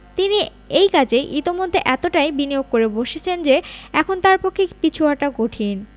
তিনি এই কাজে ইতিমধ্যে এতটাই বিনিয়োগ করে বসেছেন যে এখন তাঁর পক্ষে পিছু হটা কঠিন